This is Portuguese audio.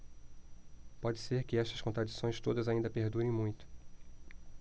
pode ser que estas contradições todas ainda perdurem muito